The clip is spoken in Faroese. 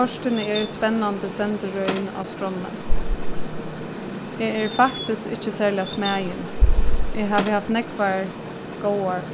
kortini er spennandi sendirøðin á skránni eg eri faktiskt ikki serliga smæðin eg havi havt nógvar góðar